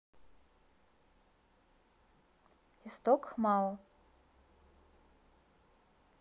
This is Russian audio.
исток хмао